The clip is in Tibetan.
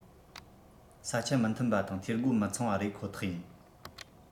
ས ཆ མི མཐུན པ དང འཐུས སྒོ མི ཚང བ རེད ཁོ ཐག ཡིན